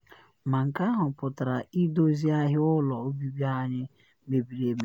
Ma nke ahụ pụtara idozi ahịa ụlọ obibi anyị mebiri emebi.